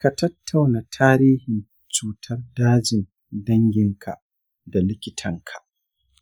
ka tattauna tarihin cutar dajin dangin ka da likitanka.